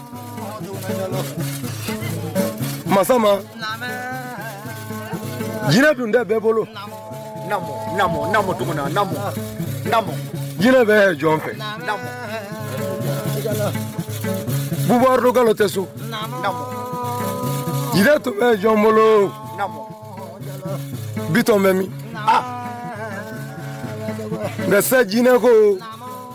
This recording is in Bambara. Jinɛ bolo jinɛ jɔn fɛ bu kalo tɛ so jɔn bolo bitɔn bɛ min mɛ se jinɛinɛ ko